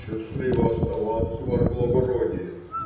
- Счастливо оставаться, ваше благородие.